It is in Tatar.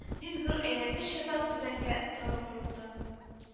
Бик зур әйләнгеч ясап, түбәнгә таба борылды